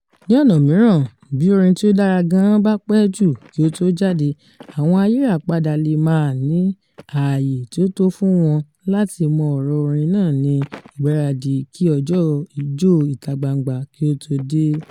Ní ọ̀nà mìíràn, bí orin tí ó dára gan-an bá pẹ́ jù kí ó tó jáde, àwọn ayírapadà lè máà ní àyè tí ó tó fún wọn láti mọ ọ̀rọ̀ orin náà ní ìgbáradì kí ọjọ́ Ijó ìta-gbangba ó tó dé.